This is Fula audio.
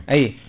ayi